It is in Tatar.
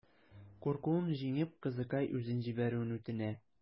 Куркуын җиңеп, кызыкай үзен җибәрүен үтенә.